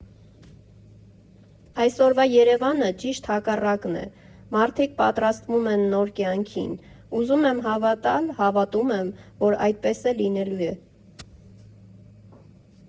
Այսօրվա Երևանը ճիշտ հակառակն է՝ մարդիկ պատրաստվում են նոր կյանքին, ուզում եմ հավատալ, հավատում եմ, որ այդպես էլ լինելու է։